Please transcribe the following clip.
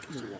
waaw